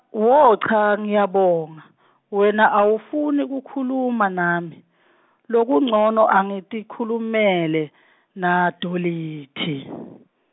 wo cha, ngiyabona , wena awufuni kukhuluma nami , lokuncono angitikhulumele , naDorothi .